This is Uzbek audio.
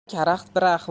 u karaxt bir